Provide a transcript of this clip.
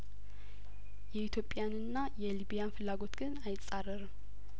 የኢትዮጵያ ንና የሊቢያን ፍላጐት ግን አይጻረርም